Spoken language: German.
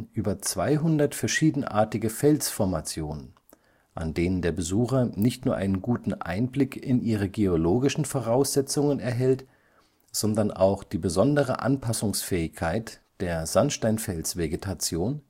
über 200 verschiedenartige Felsformationen (siehe auch Kapitel Geologie und Kapitel Oberflächengestalt), an denen der Besucher nicht nur einen guten Einblick in ihre geologischen Voraussetzungen erhält, sondern auch die besondere Anpassungsfähigkeit der „ Sandsteinfels-Vegetation